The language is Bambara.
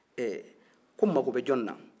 ɛ ko mako bɛ jɔnni na